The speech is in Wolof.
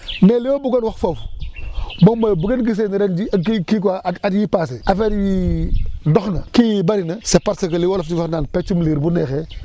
mais li ma bëggoon wax foofu moom mooy bu ngeen gisee ni ren jii kii kii quoi at yii passé affaires yi dox na kii yi bëri na c' est parce que li wolof di wax naan peccum liir bu neexee